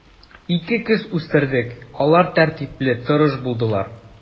Ике кыз үстердек, алар тәртипле, тырыш булдылар.